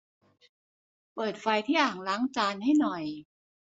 เปิดไฟที่อ่างล้างจานให้หน่อย